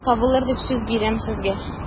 Табылыр дип сүз бирәм сезгә...